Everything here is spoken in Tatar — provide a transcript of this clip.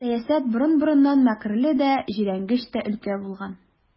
Сәясәт борын-борыннан мәкерле дә, җирәнгеч тә өлкә булган.